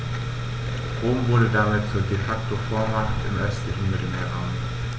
Rom wurde damit zur ‚De-Facto-Vormacht‘ im östlichen Mittelmeerraum.